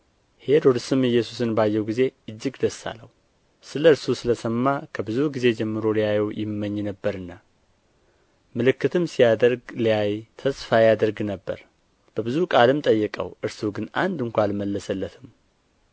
ሄሮድስም ኢየሱስን ባየው ጊዜ እጅግ ደስ አለው ስለ እርሱ ስለ ሰማ ከብዙ ጊዜ ጀምሮ ሊያየው ይመኝ ነበርና ምልክትም ሲያደርግ ሊያይ ተስፋ ያደርግ ነበር በብዙ ቃልም ጠየቀው እርሱ ግን አንድ ስንኳ አልመለሰለትም